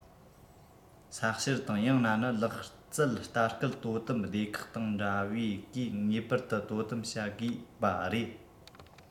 ས བཤེར དང ཡང ན ནི ལག རྩལ ལྟ སྐུལ དོ དམ སྡེ ཁག དང འདྲ བའི གིས ངེས པར དུ དོ དམ བྱ དགོས པ རེད